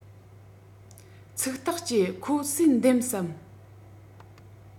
ཚིག ཐག བཅད ཁོ སུ འདེམས སམ